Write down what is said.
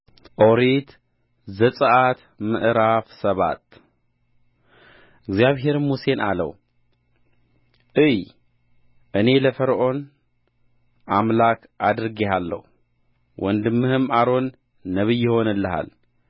ኦሪት ዘጽአት ምዕራፍ ሰባት እግዚአብሔርም ሙሴን አለው እይ እኔ ለፈርዖን አምላክ አድርጌሃለሁ ወንድምህም አሮን ነቢይ ይሆንልሃል